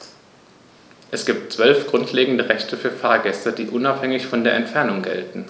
Es gibt 12 grundlegende Rechte für Fahrgäste, die unabhängig von der Entfernung gelten.